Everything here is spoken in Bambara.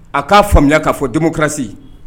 A k'a faamuya k'a fɔ denmuso kɛrasi